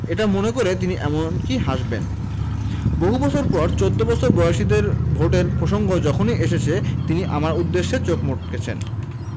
এটা মনে করে তিনি এমনকি হাসবেন বহু বছর পর চৌদ্দ বছর বয়সীদের ভোটের প্রসঙ্গ যখনই এসেছে তিনি আমার উদ্দেশে চোখ মটকেছেন